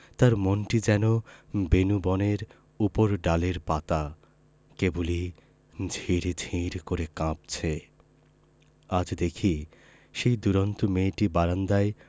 তার মনটি যেন বেনূবনের উপরডালের পাতা কেবলি ঝির ঝির করে কাঁপছে আজ দেখি সেই দূরন্ত মেয়েটি বারান্দায়